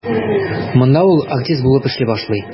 Монда ул артист булып эшли башлый.